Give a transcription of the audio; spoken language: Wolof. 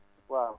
waaw